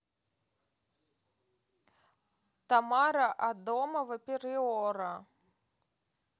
тамара адамова приора